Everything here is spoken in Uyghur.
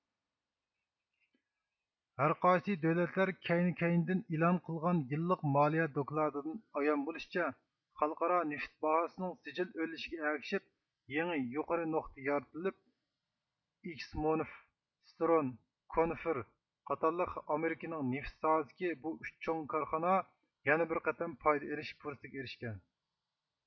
ھەر قايسى دۆلەتلەر كەينى كەينىدىن ئېلان قىلغان يىللىق مالىيە دوكلاتىدىن ئايان بولىشىچە خەلقئارا نېفىت باھاسىنىڭ سىجىل ئۆرلىشىگە ئەگىشىپ يېڭى يۇقىرى نوقتا يارىتىلىپ ئېكسونمېف سىترون كونفېر قاتارلىق ئامېرىكىنىڭ نېفىت ساھەسىدىكى بۇ ئۈچ چوڭ كارخانا يەنە بىر قېتىم پايدا ئېلىش پۇرسىتىگە ئېرىشكەن